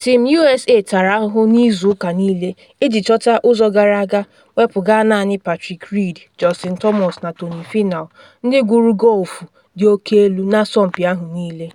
Team USA tara ahụhụ n’izu ụka niile iji chọta ụzọ gara aga wepuga naanị Patrick Reed, Justin Thomas na Tony Finau, ndị gwuru gọlfụ dị oke elu na asọmpi ahụ niile.